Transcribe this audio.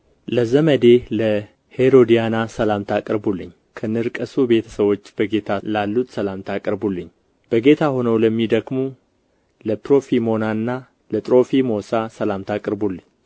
ለዘመዴ ለሄሮድዮና ሰላምታ አቅርቡልኝ ከንርቀሱ ቤተ ሰዎች በጌታ ላሉት ሰላምታ አቅርቡልኝ በጌታ ሆነው ለሚደክሙ ለፕሮፊሞናና ለጢሮፊሞሳ ሰላምታ አቅርቡልኝ